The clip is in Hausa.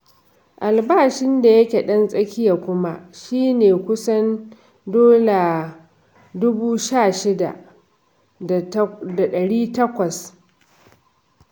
Albashin da yake ɗan tsakiya kuma shi ne kusan HK$16,800 (Dalar Amurka 2,200).